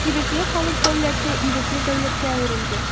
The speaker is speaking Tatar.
Ирекле халык дәүләте ирекле дәүләткә әверелде.